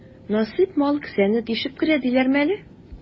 Насыйп мал кесәне тишеп керә диләрме әле?